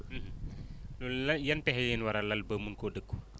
loolu yan pexe ngeen war a lal ba mun ko dékku